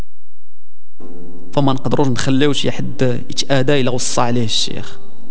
ما نقدر نخلي وش يحد ادي لي قصه علي الشيخ